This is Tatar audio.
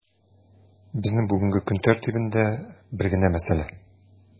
Безнең бүгенге көн тәртибендә бер генә мәсьәлә: